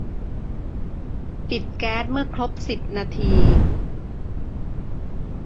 ปิดแก๊สเมื่อครบสิบนาที